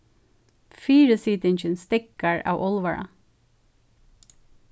fyrisitingin steðgar av álvara